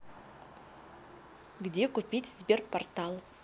где купить sberportal